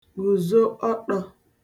gùzo ọṭọ̄